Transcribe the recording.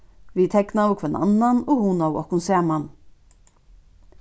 vit teknaðu hvønn annan og hugnaðu okkum saman